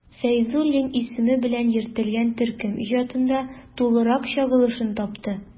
Фәйзуллин исеме белән йөртелгән төркем иҗатында тулырак чагылышын тапты.